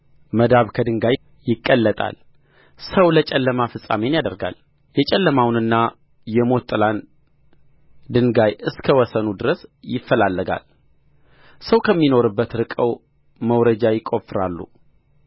መዳብም ከድንጋይ ይቀለጣል ሰው ለጨለማ ፍጻሜን ያደርጋል የጨለማውንና የሞት ጥላን ድንጋይ እስከ ወሰኑ ድረስ ይፈላልጋል ሰው ከሚኖርበት ርቀው መውረጃ ይቈፍራሉ